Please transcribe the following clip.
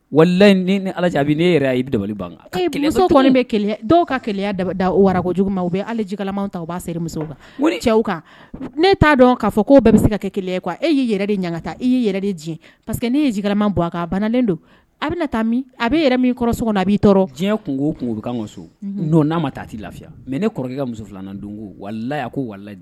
Wali dɔw ka da da wara jugu ma u bɛ ala jikama ta u b'a kan kan ne t'a dɔn k'a fɔ ko bɛɛ bɛ se ka kɛ kelenya kuwa e y'i yɛrɛ de ɲka taa e y'i yɛrɛ de diɲɛ pa parceseke que ne yerama bɔ a ka banalen don a bɛna taa min a bɛ yɛrɛ min kɔrɔ so kɔnɔ a b'i diɲɛ kun'kan ka so don n'a ma taa t'i lafiya mɛ ne kɔrɔkɛ ka muso filanan don a